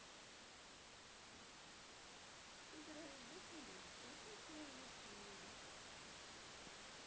играй выслали плохой человек в мире